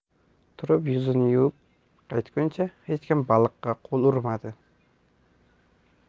turib yuzini yuvib qaytguncha hech kim baliqqa qo'l urmadi